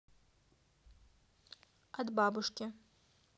от бабушки